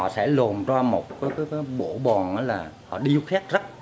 họ sẽ luồn cho một cái cái cái bộ bồn đó là điêu khéc rắc